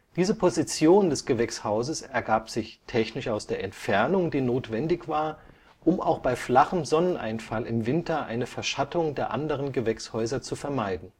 Die Position dieses Gewächshauses ergab sich „ technisch “aus der Entfernung, die notwendig war, um auch bei flachem Sonneneinfall im Winter eine Verschattung der anderen Gewächshäuser zu vermeiden